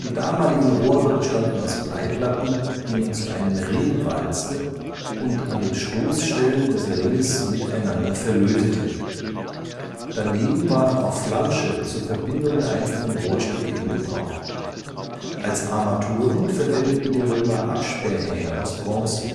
damaligen Rohre bestanden aus Bleiplatten, die man zu einem Ring walzte und an den Stoßstellen des Ringes miteinander verlötete. Daneben waren auch Flansche zur Verbindung der einzelnen Rohrstücke in Gebrauch. Als Armaturen verwendeten die Römer Absperrhähne aus Bronze